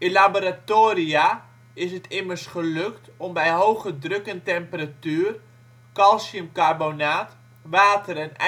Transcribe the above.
laboratoria is het immers gelukt om bij hoge druk en temperatuur calciumcarbonaat, water en ijzeroxide